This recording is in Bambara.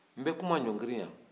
n bɛ kuma ɲɔngiri yan